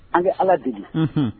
An bɛ ala deli Unhun